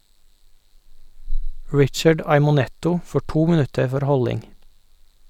Richard Aimonetto får to minutter for holding.